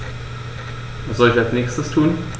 Was soll ich als Nächstes tun?